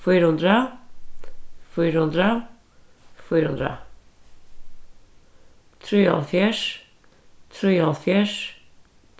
fýra hundrað fýra hundrað fýra hundrað trýoghálvfjerðs trýoghálvfjerðs